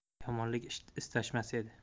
yomonlik istashmas edi